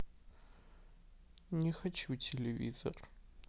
не хочу телевизор